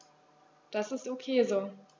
Das ist ok so.